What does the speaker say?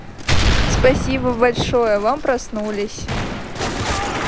спасибо большое вам проснулись